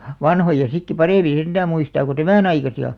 vanhoja sittenkin paremmin sentään muistaa kuin tämän aikaisia